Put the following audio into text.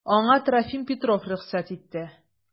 Аңа Трофим Петров рөхсәт итте.